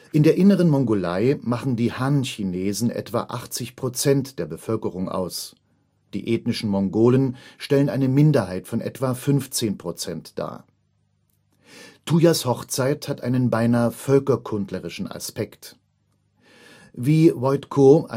Inneren Mongolei machen die Han-Chinesen etwa 80 Prozent der Bevölkerung aus, die ethnischen Mongolen stellen eine Minderheit von etwa 15 Prozent dar. Tuyas Hochzeit hat einen beinahe völkerkundlerischen Aspekt. Wie Wojtko